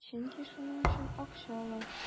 Чөнки шуның өчен акча ала.